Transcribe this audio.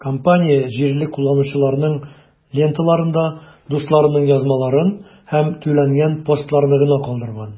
Компания җирле кулланучыларның ленталарында дусларының язмаларын һәм түләнгән постларны гына калдырган.